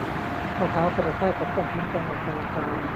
ข้อเท้ากระแทกกับก้อนหินตอนออกกำลังกาย